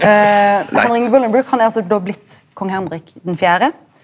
Henry Bullingbrook han er altså då blitt kong Henrik den fjerde.